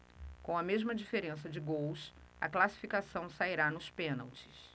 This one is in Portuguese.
com a mesma diferença de gols a classificação sairá nos pênaltis